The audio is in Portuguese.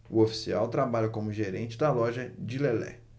o oficial trabalha como gerente da loja de lelé